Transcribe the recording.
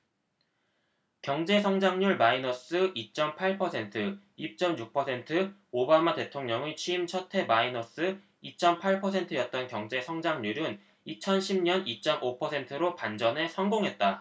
경제성장률 마이너스 이 쩜 팔 퍼센트 이 쩜 육 퍼센트 오바마 대통령의 취임 첫해 마이너스 이 쩜 팔 퍼센트였던 경제 성장률은 이천 십 년 이 쩜 오 퍼센트로 반전에 성공했다